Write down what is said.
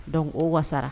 Donc o wasara